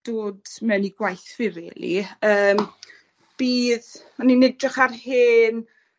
dod mewn i gwaith fi rili. Yym bydd, o'n i'n edrych ar hen